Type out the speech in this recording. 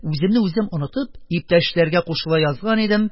Үземне үзем онытып, иптәшләргә кушыла язган идем,